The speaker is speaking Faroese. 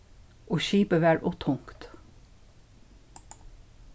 og skipið var ov tungt